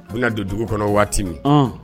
U ka don dugu kɔnɔ waati min